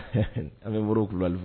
An bɛ baro ku kulubali